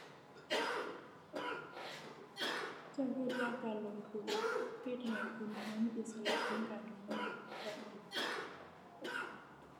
เจ้าคิดว่าการลงทุนเฮ็ดให้คนคิดมีอิสระทางการเงินบ่ เพราะอิหยัง